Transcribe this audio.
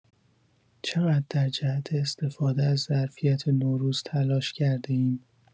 چقدر در جهت استفاده از ظرفیت نوروز تلاش کرده‌ایم؟